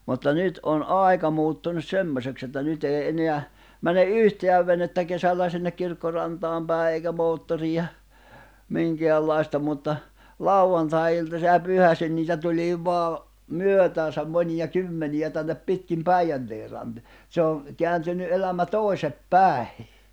mutta nyt on aika muuttunut semmoiseksi että nyt ei enää mene yhtään venettä kesällä sinne kirkkorantaan päin eikä moottoria minkäänlaista mutta lauantai-iltaisin ja pyhäisin niitä tuli vain myötäänsä monia kymmeniä tänne pitkin Päijänteen - se on kääntynyt elämä toisin päin